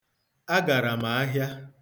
Agara m ahịa.